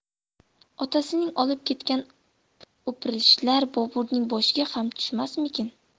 otasini olib ketgan o'pirilishlar boburning boshiga ham tushmasmikin